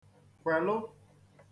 kwèlụ